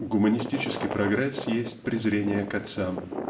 гуманистический прогресс есть презрение к отцам